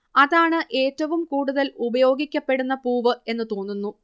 അതാണ് ഏറ്റവും കൂടുതൽ ഉപയോഗിക്കപ്പെടുന്ന പൂവ് എന്നു തോന്നുന്നു